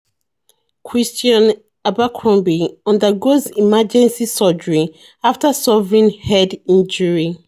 Christion Abercrombie Undergoes Emergency Surgery After Suffering Head Injury